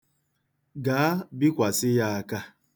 Gaa, bikwasị ya aka.